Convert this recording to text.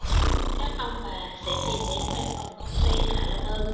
các ông bà sẽ tìm đến văn phòng cty hạ long ư